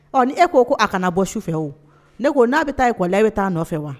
Ɔ ni e ko ko a kana bɔ sufɛ o ne ko n'a bɛ taakɔ la e bɛ taa nɔfɛ wa